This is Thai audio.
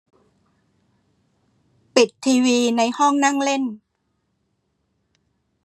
ปิดทีวีในห้องนั่งเล่น